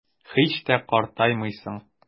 Һич тә картаймыйсың.